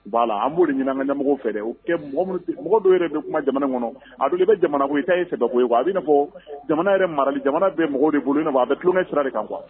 Voilà an b'o de ɲininka an ka ɲɛmɔgɔ fɛ dɛ, o kɛ mɔgɔ minnu tɛ, mɔgɔ dɔw yɛrɛ bɛ kuma jamana in kɔnɔ, a bɛɛ bɛ kɛ jamana ko ye, o ta ye sɛbɛ ko ye quoi . A bɛ i n'a fɔ jamana yɛrɛ marali, jamana bɛ mɔgɔw de bolo, i n'a fɔ a bɛ tulonkɛ sira de kan quoi